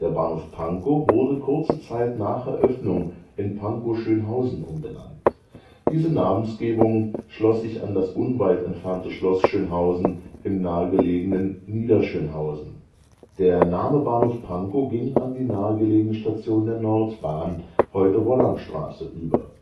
Bahnhof Pankow wurde kurze Zeit nach Eröffnung in Pankow-Schönhausen umbenannt. Diese Namensgebung schloss sich an das unweit entfernte Schloss Schönhausen im nahe gelegenen Niederschönhausen. Der Name Bahnhof Pankow ging an die nahegelegene Station der Nordbahn (heute Wollankstraße) über